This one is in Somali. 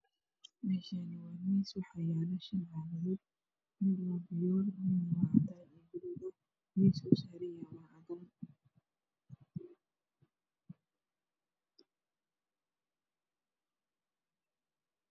Meeshaani waa miis waxaa yaalo shan cagaadod viyool miiska uu saaran yahay waa cadaan